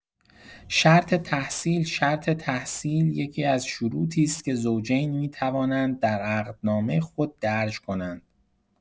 شرط تحصیل شرط تحصیل یکی‌از شروطی است که زوجین می‌توانند در عقدنامه خود درج کنند.